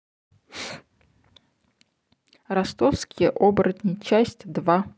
ростовские оборотни часть два